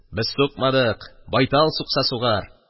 – без сукмадык, байтал сукса сугар.